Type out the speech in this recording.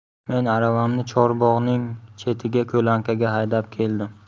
men aravamni chorbog'ning chetiga ko'lankaga haydab keldim